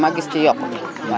ma gis ci yokkute waaw